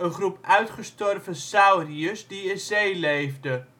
groep uitgestorven sauriërs die in zee leefde